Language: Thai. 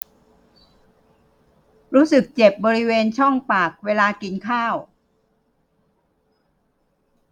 รู้สึกเจ็บบริเวณช่องปากเวลากินข้าว